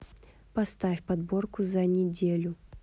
поставь подборку за неделю